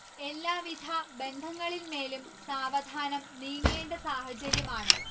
എല്ലാ വിധ ബന്ധങ്ങളിന്മേലും സാവധാനം നീങ്ങേണ്ട സാഹചര്യമാണ്